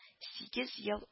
Сигез ел